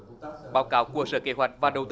báo cáo của sở kế hoạch và đầu